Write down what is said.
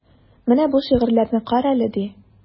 Менә бу шигырьләрне карале, ди.